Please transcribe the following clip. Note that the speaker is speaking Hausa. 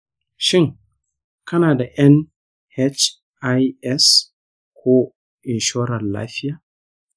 shin kana da nhis ko inshorar lafiya?